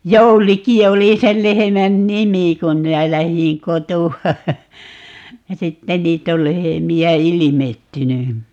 Jouliki oli sen lehmän nimi kun minä lähdin kotoa ja sitten niitä on lehmiä ilmestynyt